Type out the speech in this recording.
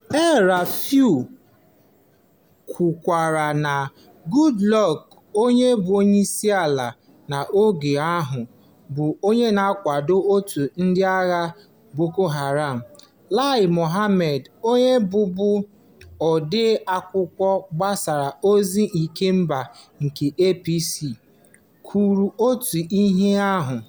El-Rufai kwukwara na Goodluck, onye bụ onyeisiala n'oge ahụ, bụ onye na-akwado òtù ndị agha Boko Haram. Lai Mohammed, onye bụbu Odeakwụkwọ Mgbasa Ozi Kemba nke APC, kwuru otu ihe ahụ.